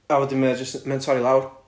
a wedyn mae o jyst n- ma'n torri lawr